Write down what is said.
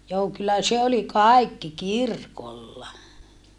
joo kyllä se oli kaikki kirkolla